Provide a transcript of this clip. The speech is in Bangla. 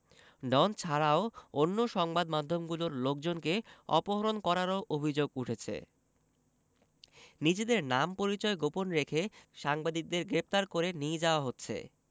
ডন ছাড়াও অন্য সংবাদ মাধ্যমগুলোর লোকজনকে অপহরণ করারও অভিযোগ উঠেছে নিজেদের নাম পরিচয় গোপন রেখে সাংবাদিকদের গ্রেপ্তার করে নিয়ে যাওয়া হচ্ছে